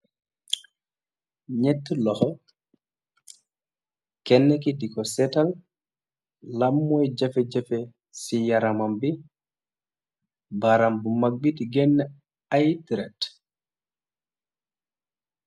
Ñetti loho, kenn ki di ko sètal lan moi jafè-jafè ci yarambi. Baram bu mag bi the gën ay dèrèt.